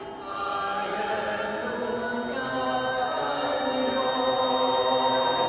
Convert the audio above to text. a'r enw .